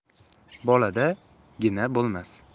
bolada gina bo'lmas